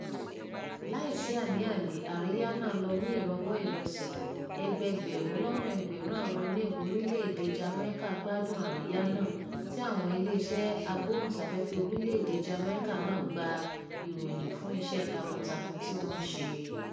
Láì sí àní-àní, àríyá náà lọ ní ìrọwọ́-ìrọsẹ̀, ẹgbẹẹgbẹ̀rún lọ́nà ẹgbẹ̀rún àwọn Nev orílẹ̀-èdèe Jamaica gbádùn-un àríyá náà tí àwọn iléeṣẹ́ agbóhùnsáfẹ́fẹ́ orílẹ̀ èdèe Jamaica náà gba ìgbóríyìn fún iṣẹ́ takuntakun tí wọ́n ṣe: